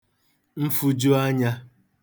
mfụjuanya